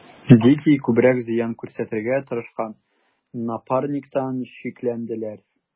Дикий күбрәк зыян күрсәтергә тырышкан Напарниктан шикләнделәр.